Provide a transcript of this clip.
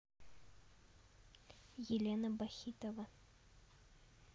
елена бахитова